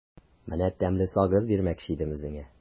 Менә тәмле сагыз бирмәкче идем үзеңә.